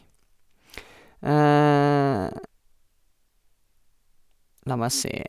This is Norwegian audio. La meg se.